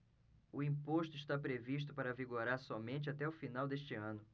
o imposto está previsto para vigorar somente até o final deste ano